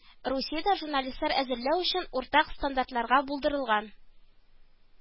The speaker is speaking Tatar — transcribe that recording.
Русиядә журналистлар әзерләү өчен уртак стандартларга булдырылган